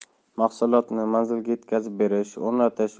mahsulotni manzilga yetkazish o'rnatish